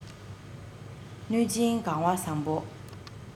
གནོད སྦྱིན གང བ བཟང པོ